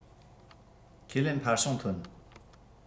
ཁས ལེན འཕར བྱུང ཐོན